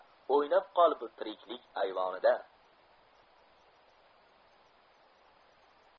o'ynab qol bu tiriklik ayvonida